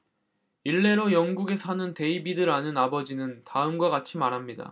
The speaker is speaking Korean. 일례로 영국에 사는 데이비드라는 아버지는 다음과 같이 말합니다